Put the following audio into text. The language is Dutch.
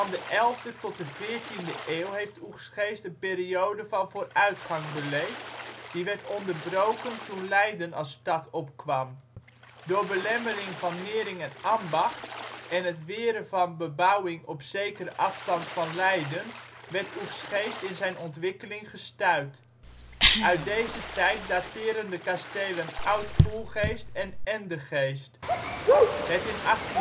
de elfde tot de veertiende eeuw heeft Oegstgeest een periode van vooruitgang beleefd, die werd onderbroken toen Leiden als stad opkwam. Door belemmering ' van nering en ambacht ' en het weren van bebouwing op zekere afstand van Leiden werd Oegstgeest in zijn ontwikkeling gestuit. Uit deze tijd dateren de kastelen Oud-Poelgeest en Endegeest. Het in 1863